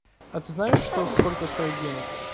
а ты знаешь что сколько стоит денег